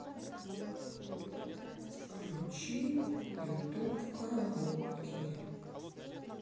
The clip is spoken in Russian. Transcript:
включи ютуб караоке